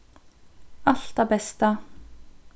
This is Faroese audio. alt tað besta